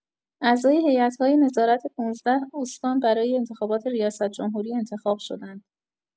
اعضای هیات‌های نظارت ۱۵ استان برای انتخابات ریاست‌جمهوری انتخاب شدند.